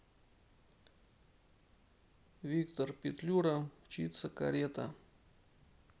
виктор петлюра мчится карета